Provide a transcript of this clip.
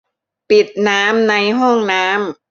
ปิดน้ำในห้องน้ำ